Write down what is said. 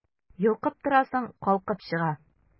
Йолкып торасың, калкып чыга...